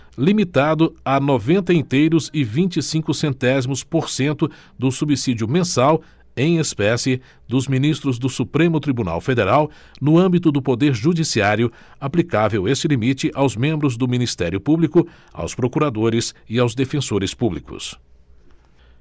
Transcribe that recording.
limitado a noventa inteiros e vinte e cinco centésimos por cento do subsídio mensal em espécie dos ministros do supremo tribunal federal no âmbito do poder judiciário aplicável este limite aos membros do ministério público aos procuradores e aos defensores públicos